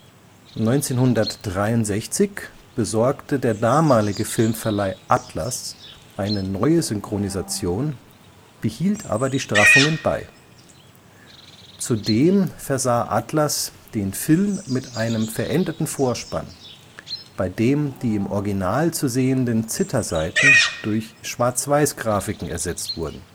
1963 besorgte der damalige Filmverleih Atlas eine neue Synchronisation, behielt aber die Straffungen bei. Zudem versah Atlas den Film mit einem veränderten Vorspann, bei dem die im Original zu sehenden Zithersaiten durch Schwarzweißgrafiken ersetzt wurden